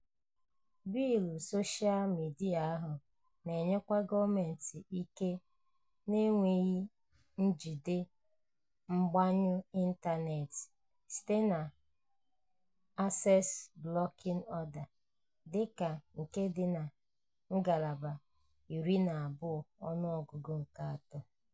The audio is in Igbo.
Bịịlụ soshaa midịa ahụ na-enyekwa gọọmentị ike na-enweghị njedebe ịgbanyụ ịntaneetị, site na "Access Blocking Order" dịka nke dị na Ngalaba 12, ọnụọgụgụ nke 3: